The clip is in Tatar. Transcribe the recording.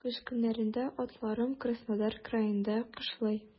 Кыш көннәрендә атларым Краснодар краенда кышлый.